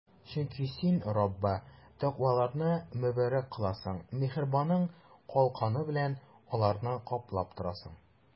Чөнки Син, Раббы, тәкъваларны мөбарәк кыласың, миһербаның калканы белән аларны каплап торасың.